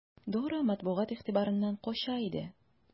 Дора матбугат игътибарыннан кача иде.